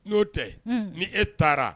N'o tɛ, unhun, ni e taara